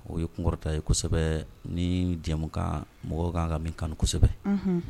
O ye kunkɔrɔta ye kosɛbɛ ni jɛmukan mɔgɔ kan ka min kan kosɛbɛ